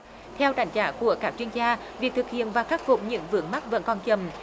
theo đánh giá của các chuyên gia việc thực hiện và khắc phục những vướng mắc vẫn còn chậm